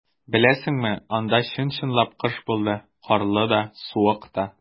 Беләсеңме, анда чын-чынлап кыш булды - карлы да, суык та.